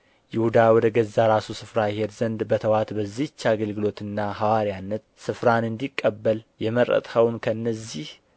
ይሁዳ ወደ ገዛ ራሱ ስፍራ ይሄድ ዘንድ በተዋት በዚህች አገልግሎትና ሐዋርያነት ስፍራን እንዲቀበል የመረጥኸውን ከእነዚህ